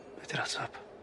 Be' di'r atab?